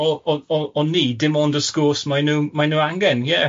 o o o o ni dim ond y sgwrs mae nhw mae nhw angen, ie.